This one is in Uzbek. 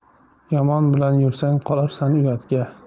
yomon bilan yursang qolarsan uyatga